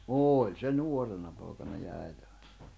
oli se nuorena poikana ja äitivainaja